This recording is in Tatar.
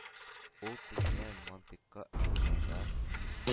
Ул төзегән мантыйкка ышанганда,